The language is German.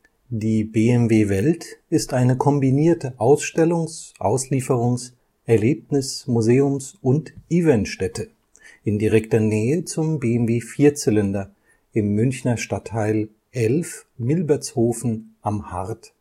Die BMW Welt ist eine kombinierte Ausstellungs -, Auslieferungs -, Erlebnis -, Museums - und Eventstätte, in direkter Nähe zum BMW-Vierzylinder, im Münchner Stadtteil 11 Milbertshofen-Am Hart